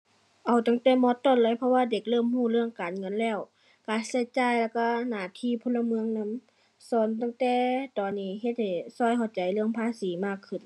เอาตั้งแต่ ม.ต้น เลยเพราะว่าเด็กเริ่มรู้เรื่องการเงินแล้ว การรู้จ่ายแล้วรู้หน้าที่พลเมืองนำ สอนตั้งแต่ตอนนี้เฮ็ดให้รู้เข้าใจเรื่องภาษีมากขึ้น